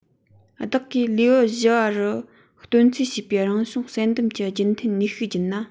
བདག གིས ལེའུ བཞི བ རུ སྟོན རྩིས བྱས པའི རང བྱུང བསལ འདེམས ཀྱི རྒྱུན མཐུད ནུས ཤུགས བརྒྱུད ན